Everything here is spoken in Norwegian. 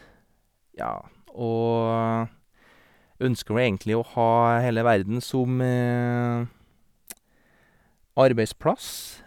Ja, og ønsker jo egentlig å ha hele verden som arbeidsplass.